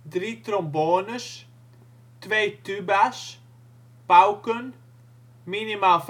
3 trombones, 2 tuba 's, pauken (minimaal